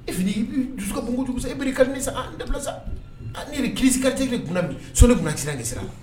Ee Fili e dusu ka bon kojugu e ba don ke e. kadi ne sa, aa nin dabila sa ne yɛrɛ crise cardiaque de tun bɛna ne minɛ, sɔɔni ne tun bɛna accident kɛ sirala.